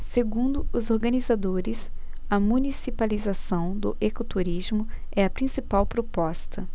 segundo os organizadores a municipalização do ecoturismo é a principal proposta